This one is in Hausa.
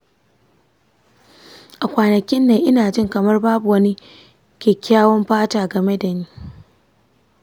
a kwanakin nan ina jin kamar babu wani kyakkyawan fata game da gaba.